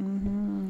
Unhun